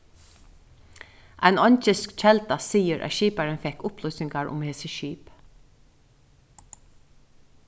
ein eingilsk kelda sigur at skiparin fekk upplýsingar um hesi skip